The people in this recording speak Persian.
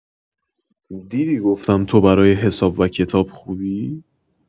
دیدی گفتم تو برای حساب و کتاب خوبی؟